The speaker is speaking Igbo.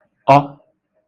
ọ